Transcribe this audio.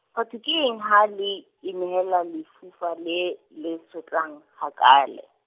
Batho ke eng, ha le inehella lefufa le, le sotla hakaale?